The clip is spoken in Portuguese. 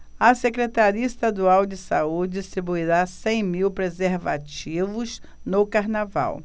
a secretaria estadual de saúde distribuirá cem mil preservativos no carnaval